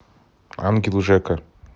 ангел жека